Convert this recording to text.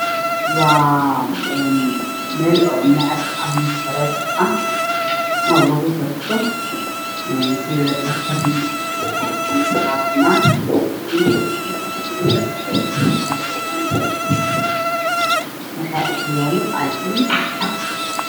Waa meel macad ah ama bareefad ah oo lugu barto caafimaad, wiil ayaa taagan waxuu wataa galoofis iyo shaati cadaan ah waxaa agyaalo ay dhiin.